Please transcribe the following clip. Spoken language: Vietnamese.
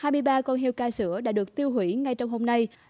hai ba con heo cai sữa đã được tiêu hủy ngay trong hôm nay